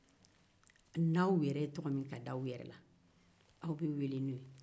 n'aw ye tɔgɔ min da aw yɛrɛ la aw bɛ weele o la